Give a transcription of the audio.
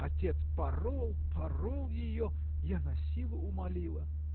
отец порол, порол ее, я насилу умолила.